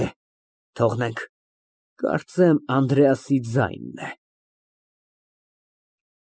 Էհ, թողնենք, կարծեմ, Անդրեասի ձայնն է։